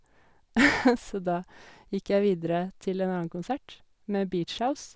Så da gikk jeg videre til en annen konsert med Beach House.